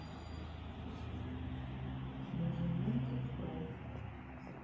нужен мультик про